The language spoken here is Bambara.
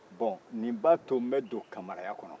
bon ni b'a to n bɛ don kamaraya kɔnɔ